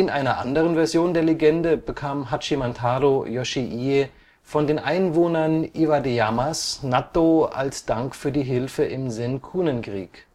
einer anderen Version der Legende bekam Hachimantarō Yoshiie von den Einwohnern Iwadeyamas Nattō als Dank für die Hilfe im Zenkunen-Krieg